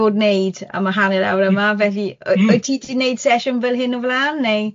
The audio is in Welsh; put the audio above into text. fod wneud am y hanner awr yma felly wy-... Mm... wyt ti 'di neud sesiwn fel hyn o flân neu?